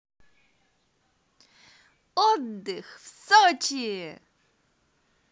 отдых в сочи